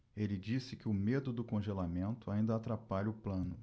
ele disse que o medo do congelamento ainda atrapalha o plano